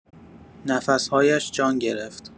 نفس‌هایش جان گرفت.